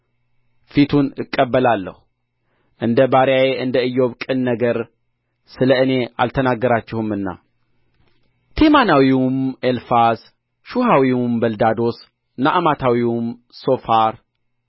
ፊቱን እቀበላለሁ እንደ ባሪያዬ እንደ ኢዮብ ቅን ነገር ስለ እኔ አልተናገራችሁምና ቴማናዊውም ኤልፋዝ ሹሐዊውም በልዳዶስ ናዕማታዊውም ሶፋር